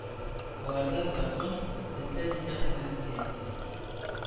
Аларда закон, бездә дин әһелләре тыя